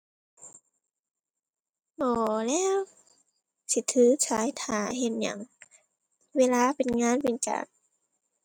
บ่แหล้ว สิถือสายท่าเฮ็ดหยัง เวลาเป็นงานเป็นการ